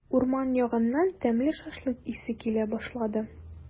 Урман ягыннан тәмле шашлык исе килә башлады.